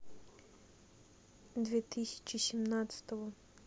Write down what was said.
две тысячи семнадцатого